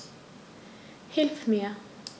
Hilf mir!